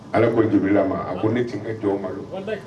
Ale ko di ma a ko ne ti ka jɔn malo